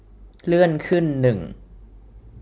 เลื่อนขึ้นหนึ่ง